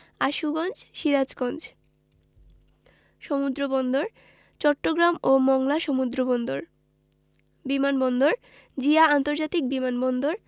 আশুগঞ্জ সিরাজগঞ্জ সমুদ্রবন্দরঃ চট্টগ্রাম ও মংলা সমুদ্রবন্দর বিমান বন্দরঃ জিয়া আন্তর্জাতিক বিমান বন্দর